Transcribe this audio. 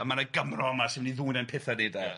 ...ond ma' yna Gymro yma sy'n mynd i ddwyn ein petha' ni de... Ia